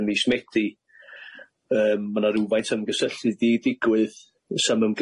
ym mis Medi yym ma' 'na rywfaint o ymgysylltu 'di digwydd sa'm